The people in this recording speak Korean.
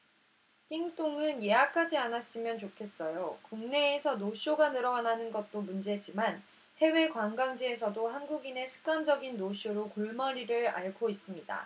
띵똥은 예약하지 않았으면 좋겠어요국내에서 노쇼가 늘어나는 것도 문제지만 해외 관광지에서도 한국인의 습관적인 노쇼로 골머리를 앓고 있습니다